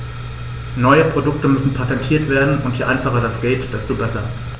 Neue Produkte müssen patentiert werden, und je einfacher das geht, desto besser.